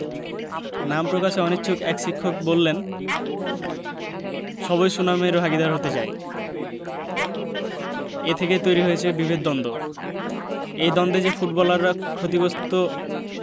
নাম প্রকাশে অনিচ্ছুক এক শিক্ষক বললেন সবাই সুনামের ভাগীদার হতে চায় এ থেকেই তৈরি হয়েছে বিভেদ দ্বন্দ্ব এই দ্বন্দ্বে যে ফুটবলাররা ক্ষতিগ্রস্ত